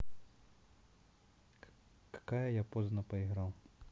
какая я поздно поиграл